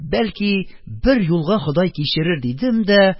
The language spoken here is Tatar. Бәлки, бер юлга ходай кичерер, дидем дә